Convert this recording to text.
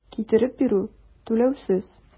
Китереп бирү - түләүсез.